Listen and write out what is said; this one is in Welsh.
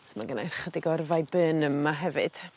So ma' gynnai ychydig o'r viburnum 'ma hefyd